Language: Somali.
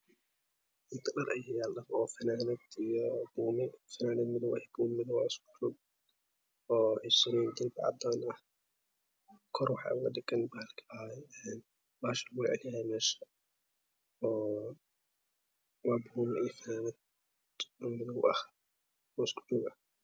Inta dhar ayaa yaalo funad madow iyo puumo madow ah ayaa isku jiro oo ay Suran yihiin darpi cadaana kor waxaa oga dhagan paasha lgu Celina miisha oo funaad madow ah oo isku joog ah